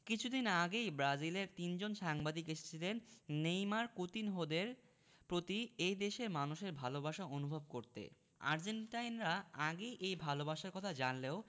কিছুদিন আগেই ব্রাজিলের তিনজন সাংবাদিক এসেছিলেন নেইমার কুতিনহোদের প্রতি এ দেশের মানুষের ভালোবাসা অনুভব করতে আর্জেন্টাইনরা আগেই এই ভালোবাসার কথা জানলেও